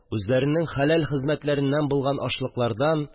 Үзләренең хәләл хезмәтләреннән булган ашлыкладан